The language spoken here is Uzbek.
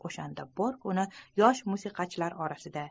o'shanda bork uni yosh musiqachilar orasida